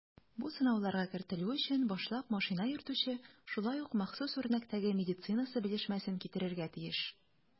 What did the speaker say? Бу сынауларга кертелү өчен башлап машина йөртүче шулай ук махсус үрнәктәге медицинасы белешмәсен китерергә тиеш.